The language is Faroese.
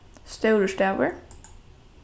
stórur stavur